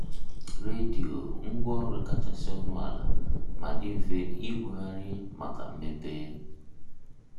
Redio - ngwaọrụ kachasị ọnụ ala ma dị mfe ibugharị maka mmepe